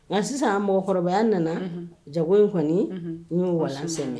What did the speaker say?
Nka sisan mɔgɔkɔrɔbaya nana, unhun, jago in kɔni, unhun n y'o walan sɛmɛ.